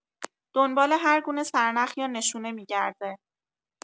دنبال هرگونه سرنخ یا نشونه می‌گرده